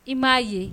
I m'a ye